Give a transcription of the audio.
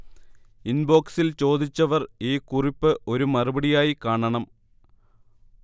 ഇൻബോക്സിൽ ചോദിച്ചവർ ഈ കുറിപ്പ് ഒരു മറുപടി ആയി കാണണം